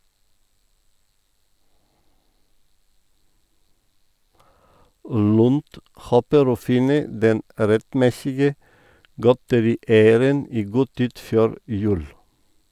Lund håper å finne den rettmessige godterieieren i god tid før jul.